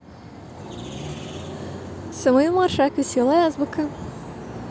самуил маршак веселая азбука